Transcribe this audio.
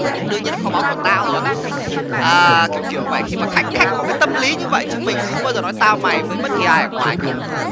đương nhiên là kho báu của tao rồi à kiểu kiểu vậy khi mà khách khách có cái tâm lý như vậy chứ mình cũng không bao giờ nói tao mày với bất kỳ ai ngoài cả